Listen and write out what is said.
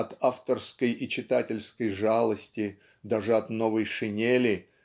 от авторской и читательской жалости даже от новой шинели